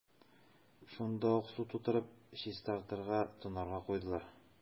Шунда ук су тутырып, чистарырга – тонарга куйдылар.